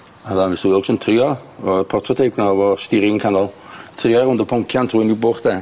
A fydda Mr Wilks yn trio yy portoteip 'ma efo steering canol trio rownd y poncia trw Niwbwch de?